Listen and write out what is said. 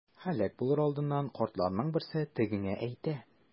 Һәлак булыр алдыннан картларның берсе тегеңә әйтә.